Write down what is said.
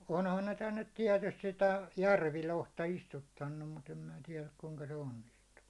onhan ne tänne tietysti sitä järvilohta istuttanut mutta en minä tiedä kuinka se onnistuu